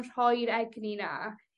rhoi'r egni 'na